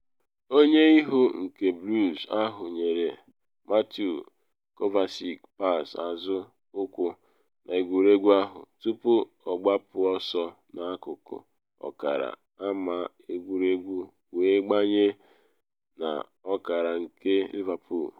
Onye ihu nke Blues ahụ nyere Mateo Kovacic pass azụ ụkwụ n’egwuregwu ahụ, tupu ọ gbapụ ọsọ n’akụkụ ọkara ama egwuregwu wee gbabanye n’ọkara nke Liverpool.